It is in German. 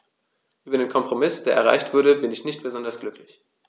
Über den Kompromiss, der erreicht wurde, bin ich nicht besonders glücklich.